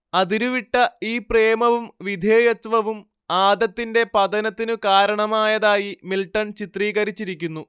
അതിരുവിട്ട ഈ പ്രേമവും വിധേയത്വവും ആദത്തിന്റെ പതനത്തിനു കാരണമായതായി മിൽട്ടൺ ചിത്രീകരിച്ചിരിക്കുന്നു